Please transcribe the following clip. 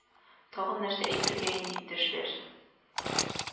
Тагын нәрсә әйтергә инде, иптәшләр